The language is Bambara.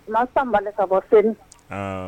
Masa Malle ka bɔ Senu, ɔɔ.